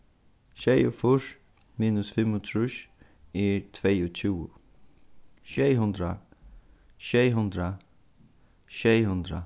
sjeyogfýrs minus fimmogtrýss er tveyogtjúgu sjey hundrað sjey hundrað sjey hundrað